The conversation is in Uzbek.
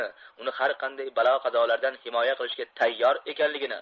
uni har qanday balo qazolardan himoya qilishga tayyor ekanligini